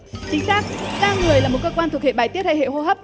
chính xác da người là một cơ quan thuộc hệ bài tiết hay hệ hô hấp